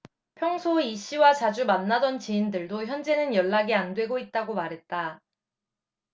평소 이씨와 자주 만나던 지인들도 현재는 연락이 안되고 있다고 말했다